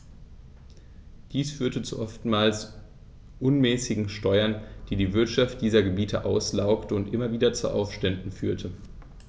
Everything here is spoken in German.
Dies führte zu oftmals unmäßigen Steuern, die die Wirtschaft dieser Gebiete auslaugte und immer wieder zu Aufständen führte.